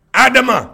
Ha adama